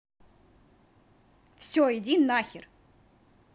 все иди нахер